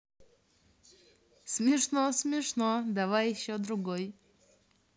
смешно смешно давай еще другой